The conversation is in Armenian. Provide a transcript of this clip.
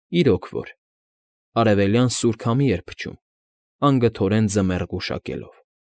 Իրոք որ արևելյան սուր քամի էր փչում՝ անգթորեն ձմեռ գուշակելով։